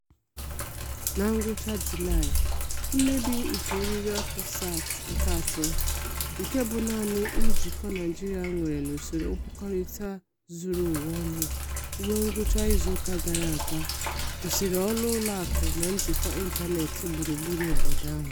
Na ngwụcha Julaị, mmebi nke eririọkụ SAT-3 - nke bụ naanị njikọ Nigeria nwere n'usoro nkwukọrịta zuru ụwa ọnụ ruo ngwụcha izu ụka gara aga - kwụsịrị ọrụ ụlọakụ na njikọ ịntaneetị gburugburu obodo ahụ.